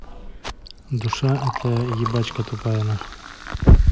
душа это ебачка тупая нахуй